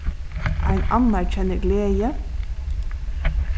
ein annar kennir gleði